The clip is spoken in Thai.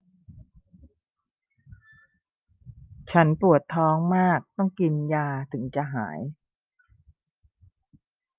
ฉันปวดท้องมากต้องกินยาถึงจะหาย